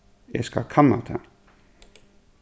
eg skal kanna tað s